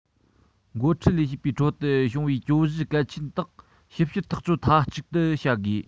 འགོ ཁྲིད ལས བྱེད པའི ཁྲོད དུ བྱུང བའི གྱོད གཞི གལ ཆེན དག ཞིབ བཤེར ཐག གཅོད མཐའ གཅིག ཏུ བྱ དགོས